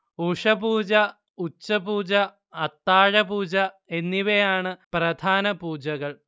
ഉഷഃപൂജ, ഉച്ചപൂജ, അത്താഴപൂജ എന്നിവയാണ് പ്രധാന പൂജകൾ